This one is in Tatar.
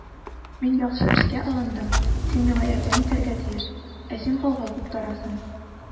Мин яхшы эшкә алындым, син миңа ярдәм итәргә тиеш, ә син гауга куптарасың.